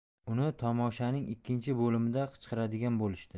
uni tamoshaning ikkinchi bo'limida chiqaradigan bo'lishdi